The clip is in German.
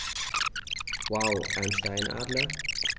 Wow! Einen Steinadler?